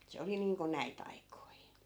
se oli niin kuin näitä aikoja